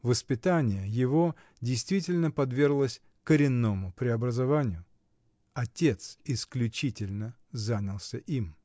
воспитание его действительно подверглось "коренному преобразованию": отец исключительно занялся им.